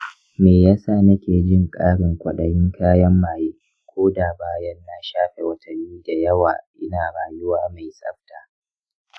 me ya sa nake jin ƙarin kwaɗayin kayan maye ko da bayan na shafe watanni da yawa ina rayuwa mai tsafta?